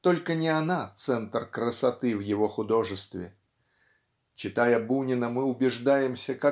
только не она центр красоты в его художестве. Читая Бунина мы убеждаемся